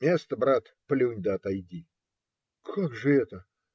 Место, брат, плюнь да отойди. - Как же это?